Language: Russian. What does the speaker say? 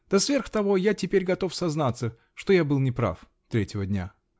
-- Да сверх того я теперь готов сознаться, что я был не прав -- третьего дня.